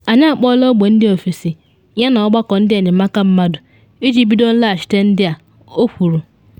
“Anyị akpọọla ogbe ndị ofesi yana ọgbakọ ndị enyemaka mmadụ iji bido nlaghachite ndị a,” o kwuru.